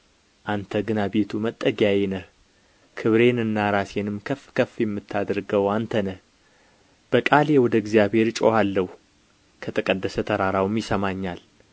አንተ ግን አቤቱ መጠጊያዬ ነህ ክብሬንና ራሴንም ከፍ ከፍ የምታደርገው አንተ ነህ በቃሌ ወደ እግዚአብሔር እጮሃለሁ ከተቀደሰ ተራራውም ይሰማኛል